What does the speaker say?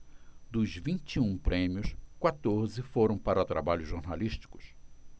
dos vinte e um prêmios quatorze foram para trabalhos jornalísticos